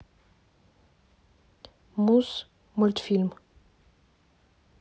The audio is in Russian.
муз мультфильм